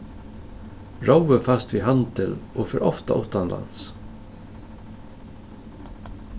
rói fæst við handil og fer ofta uttanlands